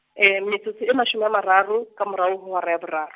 mme tshotso e mashome a mararo, ka morao ho hora ya boraro.